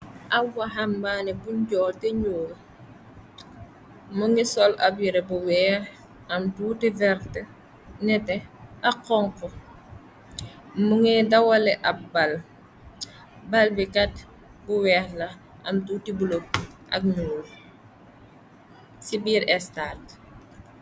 Aw waxambaane bu njool te ñyuul. Mu ngi sol ab yire bu weex am tuuti vert, nete ak xonk. Mu ngay dawale ab bal. Bal bikat bu weex la am tuuti bulo ak ñyuul ci biir estaate.